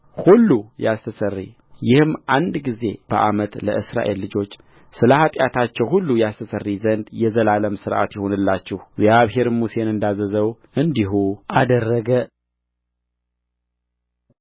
ሁሉ ያስተስርይይህም አንድ ጊዜ በዓመት ለእስራኤል ልጆች ስለ ኃጢአታቸው ሁሉ ያስተስርይ ዘንድ የዘላለም ሥርዓት ይሁንላችሁ እግዚአብሔርም ሙሴን እንዳዘዘው እንዲሁ አደረገ